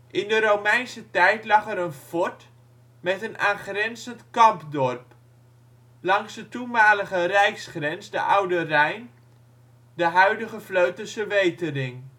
In de Romeinse tijd lag er een fort (castellum) met een aangrenzend kampdorp (vicus), langs de toenmalige rijksgrens, de (oude) Rijn, de huidige Vleutense wetering